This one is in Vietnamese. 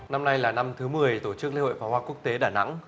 năm nay là năm thứ mười tổ chức lễ hội pháo hoa quốc tế đà nẵng